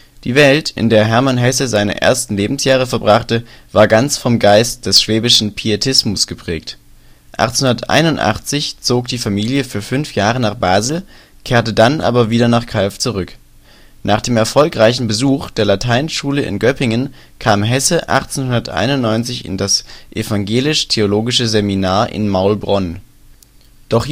Die Welt, in der Hermann Hesse seine ersten Lebensjahre verbrachte, war ganz vom Geist des schwäbischen Pietismus geprägt. 1881 zog die Familie für fünf Jahre nach Basel, kehrte dann aber wieder nach Calw zurück. Nach dem erfolgreichen Besuch der Lateinschule in Göppingen kam Hesse 1891 in das evangelisch-theologische Seminar in Maulbronn. Doch